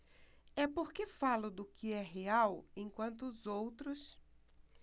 é porque falo do que é real enquanto os outros